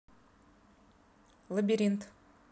лабиринт